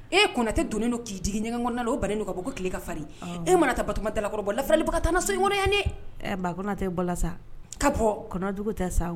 E konatɛ donnen don k'i digi ɲɛgɛn kɔnɔna na o bannen don ka bɔ ko tile ka farin, e mana taa Batɔɔma dakɔrɔ lafalibaga t'an na so in kɔnɔ yan dɛ, ɛ Ba Konatɛ bɔra sa, ka bɔ kɔnɔ jugu tɛ sa